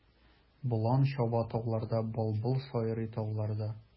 Болан чаба тауларда, былбыл сайрый талларда.